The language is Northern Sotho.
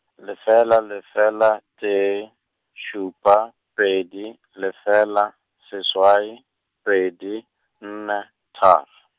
lefela lefela, tee, šupa, pedi , lefela, seswai, pedi, nne, tharo.